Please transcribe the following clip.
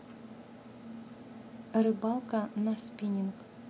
рыбалка на спининг